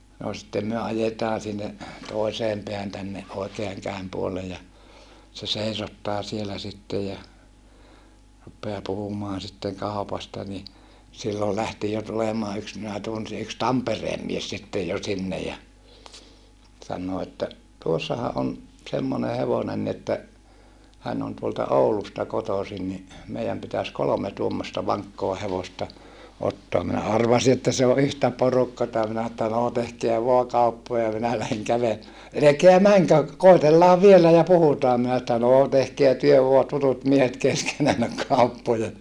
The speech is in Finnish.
no sitten me ajetaan sinne toiseen päähän tänne oikean käden puolelle ja se seisottaa siellä sitten ja rupeaa puhumaan sitten kaupasta niin silloin lähti jo tulemaan yksi minä tunsin yksi Tampereen mies sitten jo sinne ja sanoo että tuossahan on semmoinen hevonen niin että hän on tuolta Oulusta kotoisin niin meidän pitäisi kolme tuommoista vankkaa hevosta ottaa minä arvasin että se on yhtä porukkaa minä että no tehkää vain kauppoja minä lähden - älkää menkö koetellaan vielä ja puhutaan minä että no tehkää te vain tutut miehet keskenänne kauppoja